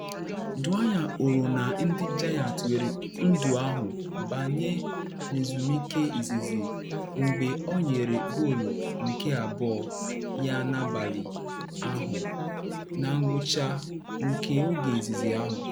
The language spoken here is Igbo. Dwyer hụrụ na ndị Giants were ndu ahụ banye n’ezumike izizi mgbe ọ nyere goolu nke abụọ ya n’abalị ahụ na ngwụcha nke oge izizi ahụ.